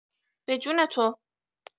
به جون تو